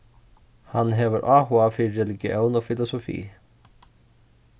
hann hevur áhuga fyri religión og filosofi